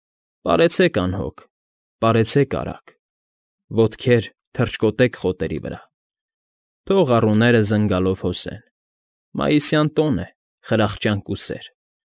Պարեցեք անհոգ, պարեցեք արագ, Ոտքեր, թռչկոտեք խոտերի վրա, Թող առուները զնգալով հոսեն, Մայիսյան տոն է, խրախճանք ու սեր։